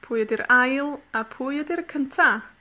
pwy ydi'r ail, a pwy ydi'r cynta.